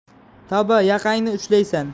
tavba yoqangni ushlaysan